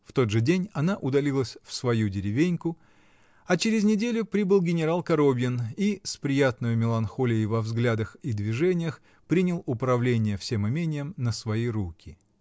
В тот же день она удалилась в свою деревеньку, а через неделю прибыл генерал Коробьин и, с приятною меланхолией во взглядах и движениях, принял управление всем имением на свои руки.